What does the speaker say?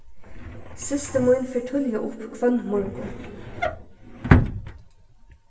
systir mín fer tíðliga upp hvønn morgun